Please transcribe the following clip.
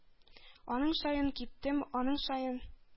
Аның саен киптем, аның саен